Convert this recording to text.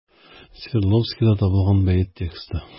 Свердловскида табылган бәет тексты.